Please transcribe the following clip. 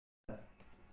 quruq qo'lni it talar